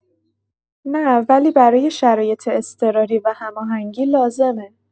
نه، ولی برای شرایط اضطراری و هماهنگی لازمه.